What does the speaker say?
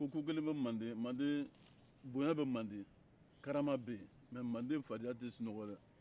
ko kelen bɛ mande mande bonya be mande karama bɛ yen mɛ mande fadenya tɛ sunɔgɔ dɛ